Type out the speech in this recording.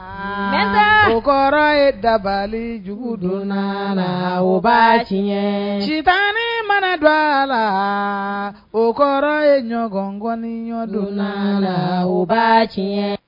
Den o kɔrɔ ye dabali jugu don la u ba tiɲɛ sitan mana don a la o kɔrɔ ye ɲɔgɔnkɔni ɲɔgɔndon la la u ba tiɲɛ